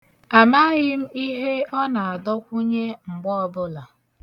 Amaghị m ihe ọ na-adọkwụnye mgbe ọbụla.